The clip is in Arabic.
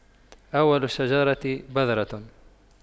أول الشجرة بذرة